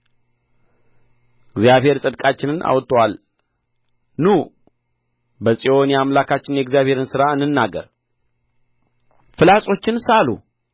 እግዚአብሔር ጽድቃችንን አውጥቶአል ኑ በጽዮን የአምላካችንን የእግዚአብሔርን ሥራ እንናገር ፍላጾችን ሳሉ